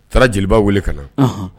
Taara jeliba wele ka na, anhan